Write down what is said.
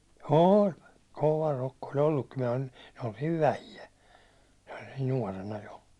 oli kova rokko oli ollutkin minä oli me oltiin vähiä nuorena jo